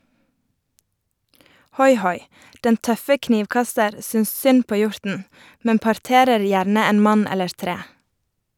Hoi-hoi, den tøffe knivkaster synes synd på hjorten, men parterer gjerne en mann eller tre.